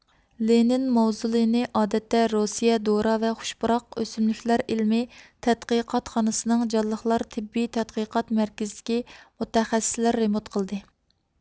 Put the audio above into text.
لېنىن ماۋزۇلىنى ئادەتتە روسىيە دورا ۋە خۇش پۇراق ئۆسۈملۈكلەر ئىلمىي تەتقىقاتخانىسىنىڭ جانلىقلار تېببىي تەتقىقات مەركىزىدىكى مۇتەخەسسىسلەر رېمونت قىلىدۇ